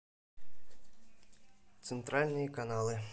центральные каналы